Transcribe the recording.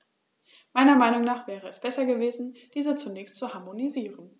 Meiner Meinung nach wäre es besser gewesen, diese zunächst zu harmonisieren.